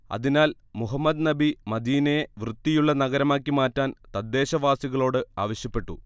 അതിനാൽ മുഹമ്മദ് നബി മദീനയെ വൃത്തിയുള്ള നഗരമാക്കി മാറ്റാൻ തദ്ദേശവാസികളോട് ആവശ്യപ്പെട്ടു